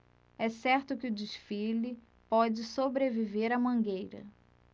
é certo que o desfile pode sobreviver à mangueira